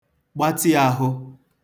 gbatị āhụ̄